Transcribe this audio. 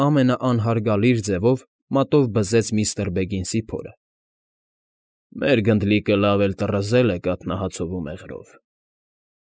Ամենաանհարգալի ձևով մատով բզեց միստր Բեգինսի փորը.֊ Մեր գնդլիկը լավ էլ տռզել է կաթնահացով ու մեղրով։